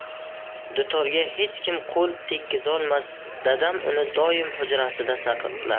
dutorga hech kim qo'l tegizolmas dadam uni doim hujrasida saqlar